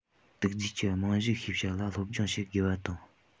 དུག རྫས ཀྱི རྨང གཞིའི ཤེས བྱ ལ སློབ སྦྱོང བྱེད དགོས པ དང